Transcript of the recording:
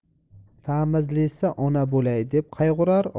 tamizlisi ona bo'lay deb qayg'urar